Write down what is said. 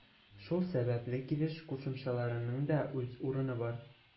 Шул сәбәпле килеш кушымчаларының да үз урыны бар.